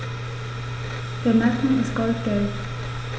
Der Nacken ist goldgelb.